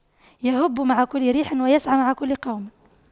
يَهُبُّ مع كل ريح ويسعى مع كل قوم